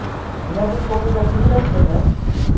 Менә бу фотода кем рәсеме?